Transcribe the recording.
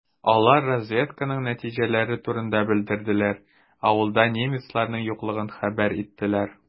Алар разведканың нәтиҗәләре турында белдерделәр, авылда немецларның юклыгын хәбәр иттеләр.